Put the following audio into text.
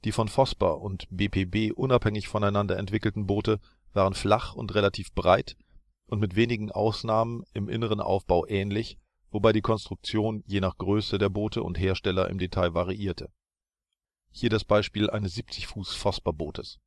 von Vosper und BPB unabhängig voneinander entwickelten Boote, waren flach und relativ breit und mit wenigen Ausnahmen im inneren Aufbau ähnlich, wobei die Konstruktion je nach Größe der Boote und Hersteller in Details variierte. Hier das Beispiel eines 70 Fuß Vosper Bootes